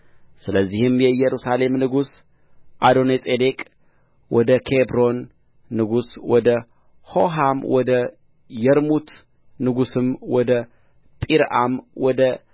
ስለዚህም የኢየሩሳሌም ንጉሥ አዶኒጼዴቅ ወደ ኬብሮን ንጉሥ ወደ ሆሃም ወደ የርሙት ንጉሥም ወደ ጲርአም ወደ